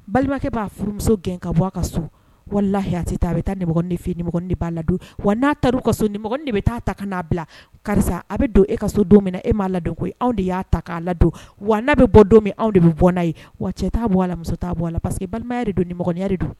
Balimakɛ b'a furumuso gɛn ka bɔ a ka sun wala lahi ta a bɛ taa ni de b'a ladon wa n'a ta u ka bɛ taa ta'a bila karisa a bɛ don e ka so don mina e m'a la don koyi anw de y'a ta k'a la don wa n'a bɛ bɔ don min anw de bɛ bɔ n'a ye wa cɛ' bɔ a lamuso ta bɔ a parce que balimaya de don nimɔgɔya de don